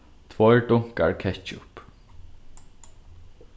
tveir dunkar kettjup